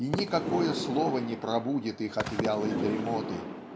и никакое слово не пробудит их от вялой дремоты.